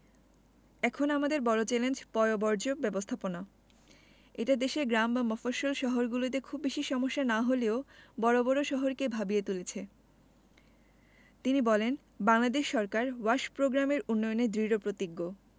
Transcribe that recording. এখন আমাদের বড় চ্যালেঞ্জ পয়ঃবর্জ্য ব্যবস্থাপনা এটা দেশের গ্রাম বা মফস্বল শহরগুলোতে খুব বেশি সমস্যা না হলেও বড় বড় শহরকে ভাবিয়ে তুলেছে তিনি বলেন বাংলাদেশ সরকার ওয়াশ প্রোগ্রামের উন্নয়নে দৃঢ়প্রতিজ্ঞ